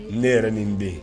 Ne yɛrɛ nin bɛ yen